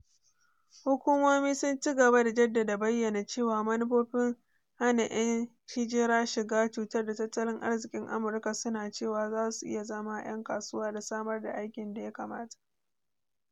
Hukumomi sun ci gaba da jaddada bayyanan cewa manufofin hana ‘yan hijara shiga cutar da tattalin arzikin Amurka, su na cewa za su iya zama 'yan kasuwa da "samar da aikin da ya kamata."